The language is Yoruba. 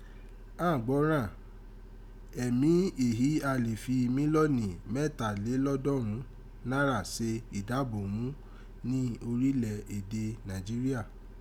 Àn gbọ́ rán, ẹ́mi èhí a lè fi mílíọ́nù mẹ́tàlélọ́ọ̀dúnrún náírà se idáàbòbo ghún ni orílè èdè Nàìjíríà?